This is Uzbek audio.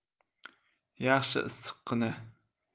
yaxshi issiqqina